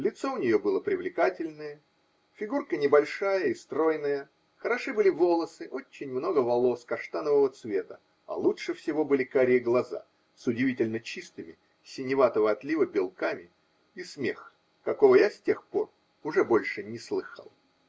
Лицо у нее было привлекательное, фигурка небольшая и стройная, хороши были волосы, очень много волос каштанового цвета, а лучше всего были карие глаза с удивительно чистыми, синеватого отлива, белками и смех, какого я с тех пор уже больше не слыхал.